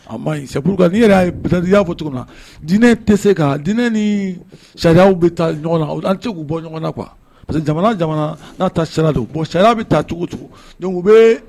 A man ɲi c'est pour quoi n'i yɛrɛ ye peut être i y'a fɔ jogo min na dinɛ tɛ se ka diinɛ ni sariyaw bɛ taa ɲɔgɔn na an tɛ se k'u bɔ ɲɔgɔn na quoi parce que jamana o jamana n'a taa sira do donc sariya bɛ taa cogo cogo donc u bɛ